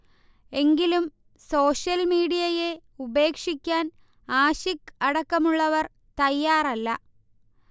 എങ്കിലും സോഷ്യൽ മീഡിയയെ ഉപേക്ഷിക്കാൻ ആശിഖ് അടക്കമുള്ളവർ തയ്യാറല്ല